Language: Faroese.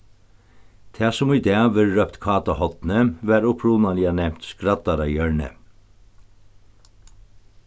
tað sum í dag verður rópt káta hornið varð upprunaliga nevnt skraddarahjørnið